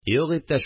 – юк, иптәш